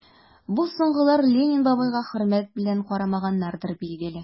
Бу соңгылар Ленин бабайга хөрмәт белән карамаганнардыр, билгеле...